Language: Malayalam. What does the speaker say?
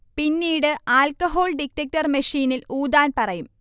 പിന്നീട് ആൽക്കഹോൾ ഡിറ്റക്ടർ മെഷീനിൽ ഊതാൻ പറയും